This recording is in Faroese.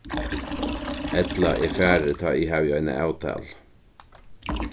ella eg fari tá eg havi eina avtalu